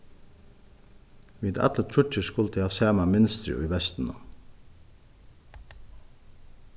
vit allir tríggir skuldu hava sama mynstrið í vestunum